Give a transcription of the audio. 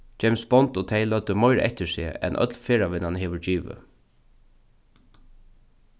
james bond og tey løgdu meira eftir seg enn øll ferðavinnan hevur givið